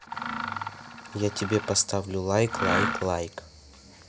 я тебе поставлю лайк лайк лайк